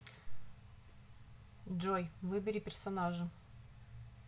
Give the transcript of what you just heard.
джой выбери персонажа